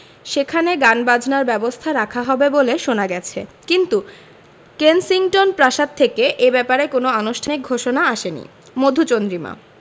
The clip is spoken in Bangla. সেখানে গানবাজনার ব্যবস্থা রাখা হবে বলে শোনা গেছে কিন্তু কেনসিংটন প্রাসাদ থেকে এ ব্যাপারে কোনো আনুষ্ঠানিক ঘোষণা আসেনি মধুচন্দ্রিমা